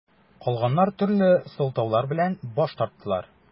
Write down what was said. Калганнар төрле сылтаулар белән баш тарттылар.